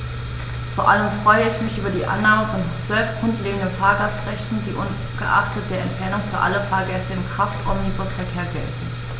Vor allem freue ich mich über die Annahme von 12 grundlegenden Fahrgastrechten, die ungeachtet der Entfernung für alle Fahrgäste im Kraftomnibusverkehr gelten.